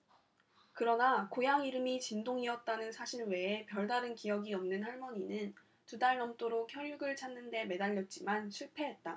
그러나 고향 이름이 진동이었다는 사실 외에 별다른 기억이 없는 할머니는 두 달 넘도록 혈육을 찾는 데 매달렸지만 실패했다